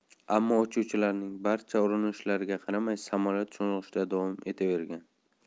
ammo uchuvchilarning barcha urinishlariga qaramay samolyot sho'ng'ishda davom etavergan